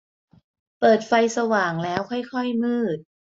เปิดไฟสว่างแล้วค่อยค่อยมืด